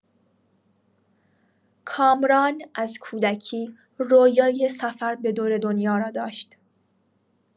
کامران از کودکی رویای سفر به دور دنیا را داشت.